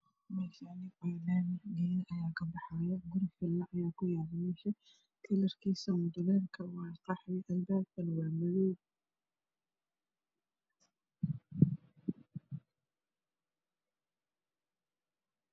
Meeshaani waa laami guri Aya ku yaala kalarkisa waa qaxwi albaabkana waa madow